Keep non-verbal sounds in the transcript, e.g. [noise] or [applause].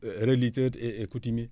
[hesitation] religieuses et et cotumiers